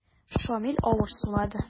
Шамил авыр сулады.